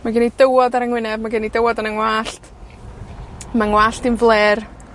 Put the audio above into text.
Ma' gen i dywod ar 'yng ngwyneb, ma' gen i dywod yn 'yng ngwallt, ma' 'ngwallt i'n flêr.